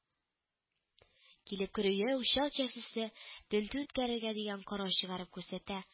Килеп керүгә үк чал чәчлесе тентү үткәрергә дигән карар чыгарып күрсәтә